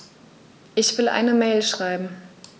Ich will eine Mail schreiben.